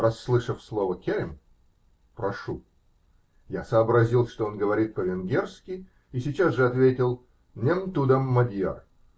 Расслышав слово керем (прошу), я сообразил, что он говорит по-венгерски, и сейчас же ответил: -- Нем тудом мадьяр.